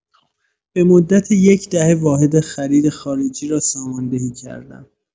به مدت یک دهه واحد خرید خارجی را ساماندهی کردم.